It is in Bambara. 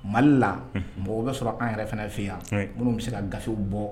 Malila mɔgɔ bɛ sɔrɔ an yɛrɛ fana fɛ yan minnu bɛ se ka gafew bɔ